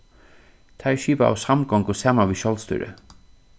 teir skipaðu samgongu saman við sjálvstýri